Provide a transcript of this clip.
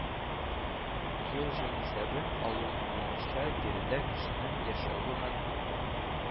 Ел җанисәбен алу буенча биредә кешенең яшәү мәгълүм